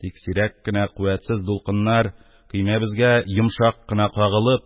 Тик сирәк кенә куәтсез дулкыннар көймәбезгә йомшак кына кагылып,